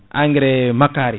engrais makkari